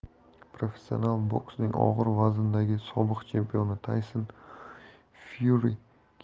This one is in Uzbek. professional boksning og'ir vazndagi sobiq chempioni